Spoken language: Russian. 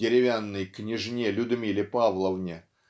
деревянной княжне Людмиле Павловне